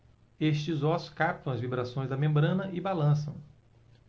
estes ossos captam as vibrações da membrana e balançam